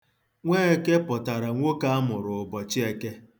Nweke pụtara nwoke a mụrụ ụbọchị Eke.